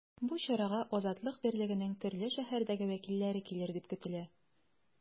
Бу чарага “Азатлык” берлегенең төрле шәһәрдәге вәкилләре килер дип көтелә.